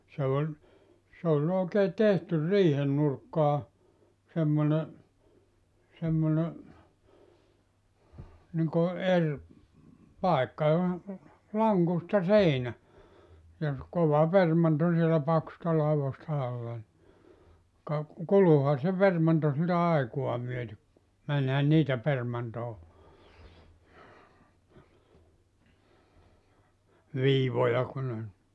se oli se oli oikein tehty riihen nurkkaan semmoinen semmoinen niin kuin eri paikka johon lankusta seinä ja se kova permanto siellä paksuista laudoista alla niin ka kuluihan se permanto siltä aikaa myöten kun menihän niitä permantoon viivoja kun ne -